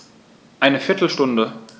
Eine viertel Stunde